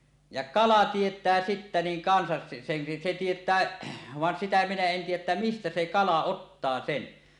ja kala tietää sitten niin kanssa se sen se tietää vaan sitä minä en tiedä että mistä se kala ottaa sen